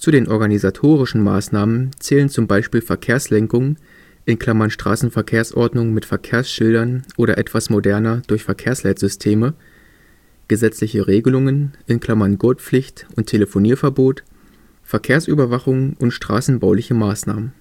den organisatorischen Maßnahmen zählen zum Beispiel Verkehrslenkung (Straßenverkehrsordnung mit Verkehrsschildern oder etwas moderner durch Verkehrsleitsysteme), gesetzliche Regelungen (Gurtpflicht, Telefonierverbot), Verkehrsüberwachung und straßenbauliche Maßnahmen